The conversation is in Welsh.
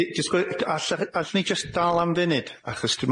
Di- disgwyl all- allwn ni jyst dal am funud achos dwi